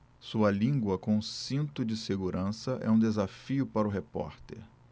sua língua com cinto de segurança é um desafio para o repórter